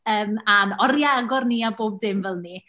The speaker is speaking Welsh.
yym, a'n oriau agor ni a pob dim fel 'ny.